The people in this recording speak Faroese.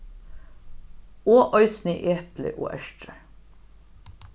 og eisini epli og ertrar